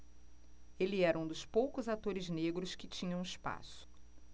ele era um dos poucos atores negros que tinham espaço